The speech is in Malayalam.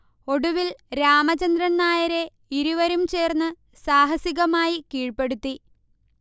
ഒടുവിൽ രാമചന്ദ്രൻ നായരെ ഇരുവരും ചേർന്നു സാഹസികമായി കീഴ്പെടുത്തി